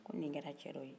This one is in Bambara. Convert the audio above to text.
ko nin kɛra cɛ dɔ ye